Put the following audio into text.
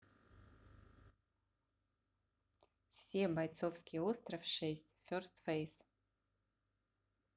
все бойцовский остров шесть first face